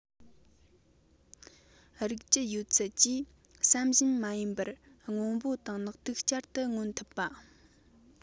རིགས རྒྱུད ཡོད ཚད ཀྱིས བསམ བཞིན མ ཡིན པར སྔོན པོ དང ནག ཐིག བསྐྱར དུ མངོན ཐུབ པ